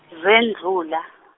zendlula.